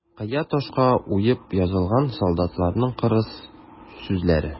Кыя ташка уеп язылган солдатларның кырыс сүзләре.